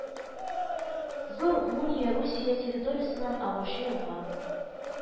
Зур Мунья Русия территориясеннән агучы елга